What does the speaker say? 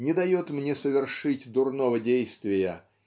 не дает мне совершить дурного действия